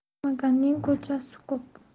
ko'rmaganning ko'chasi ko'p